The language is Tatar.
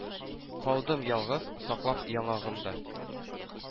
Калдым ялгыз, саклап яңагымда